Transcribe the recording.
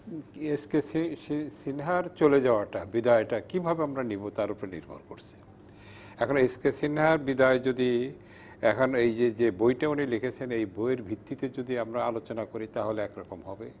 S K সিনহার চলে যাওয়াটা বিদায়টা কিভাবে আমরা নেব তার উপর নির্ভর করছে এখন এস কে সিনহার বিদায় যদি এখন এই যে বইটা উনি লিখেছেন এই বই ভিত্তিতে যদি আমরা আলোচনা করি তাহলে একরকম হবে